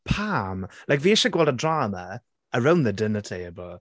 Pam? Like fi eisiau gweld y drama around the dinner table.